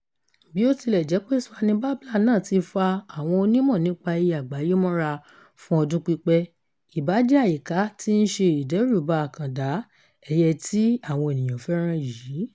Bí ó ti lẹ̀ jẹ́ pé Spiny Babbler náà ti fa àwọn onímọ̀-nípa-ẹyẹ àgbáyé mọ́ra fún ọdún pípẹ́, ìbàjẹ́ àyíká ti ń ṣe ìdẹ́rùbà àkàndá, ẹyẹ tí àwọn ènìyàn fẹ́ràn yìí.